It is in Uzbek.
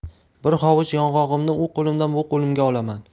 bir hovuch yong'og'imni u qo'limdan bu qo'limga olaman